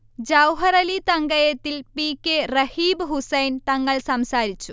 Jouharali Thangayathil, P K Rabeeh Hussain Thangal സംസാരിച്ചു